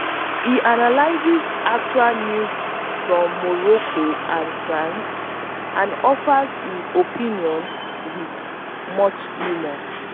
He analyses actual news from Morocco and France and offers his opinion with much humor.